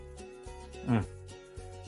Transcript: Hmm.